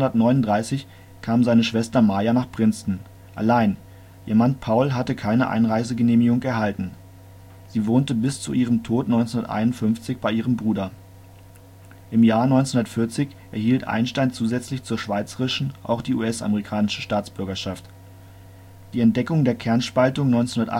1939 kam seine Schwester Maja nach Princeton – allein, ihr Mann Paul hatte keine Einreisegenehmigung erhalten. Sie wohnte bis zu ihrem Tod 1951 bei ihrem Bruder. Im Jahr 1940 erhielt Einstein zusätzlich zur schweizerischen auch die US-amerikanische Staatsbürgerschaft. Die Entdeckung der Kernspaltung 1938